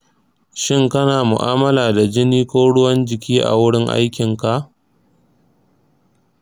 shin kana mu’amala da jini ko ruwan jiki a wurin aikinka?